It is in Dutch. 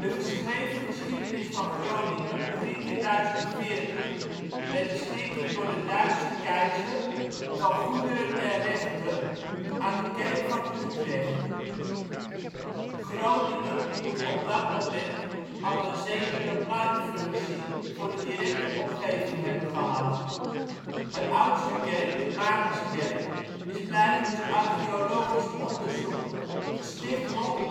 geschreven geschiedenis van Groningen begint in 1040 met de schenking door de Duitse keizer van goederen en rechten aan de kerk van Utrecht. Groningen moet op dat moment al een zekere marktfunctie voor de directe omgeving hebben gehad. De oudste kerk, de Maartenskerk, is blijkens archeologisch onderzoek gesticht rond 800